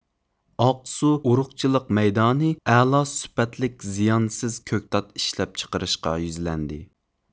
ئاقسۇ ئۇرۇقچىلىق مەيدانى ئەلا سۈپەتلىك زىيانسىز كۆكتات ئىشلەپچىقىرىشقا يۈزلەندى